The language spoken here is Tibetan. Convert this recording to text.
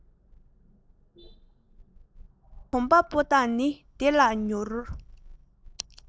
ཁོའི གོམ པ སྤོ སྟངས ནི བདེ ལ མྱུར